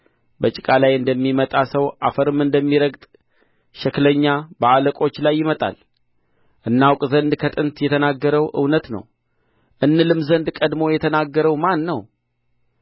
በጭቃ ላይ እንደሚመጣ ሰው አፈርም እንደሚረግጥ ሸክለኛ በአለቆች ላይ ይመጣል እናውቅ ዘንድ ከጥንት የተናገረው እውነት ነው እንልም ዘንድ ቀድሞ የተናገረው ማን ነው